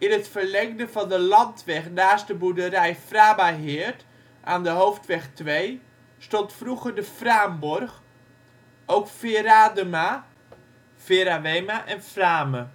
het verlengde van de landweg naast de boerderij Framaheerd aan de Hoofdweg 2, stond vroeger de Fraamborg (ook Feradema, Ferawema en Frame